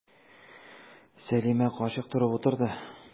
Сәлимә карчык торып утырды.